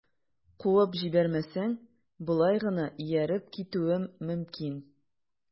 Куып җибәрмәсәң, болай гына ияреп китүем мөмкин...